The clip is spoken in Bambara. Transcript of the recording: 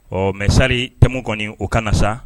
Ɔ mɛsari te kɔni o kana na sa